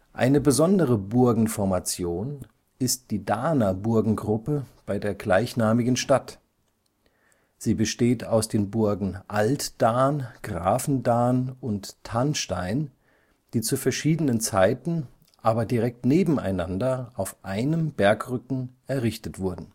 Eine besondere Burgenformation ist die Dahner Burgengruppe bei der gleichnamigen Stadt. Sie besteht aus den Burgen Altdahn, Grafendahn und Tanstein, die zu verschiedenen Zeiten, aber direkt nebeneinander auf einem Bergrücken errichtet wurden